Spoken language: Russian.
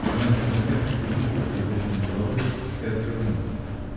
Она чуть заметно кивнула утвердительно головой и отвернулась.